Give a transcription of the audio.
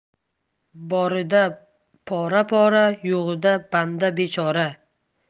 borida pora pora yo'g'ida banda bechora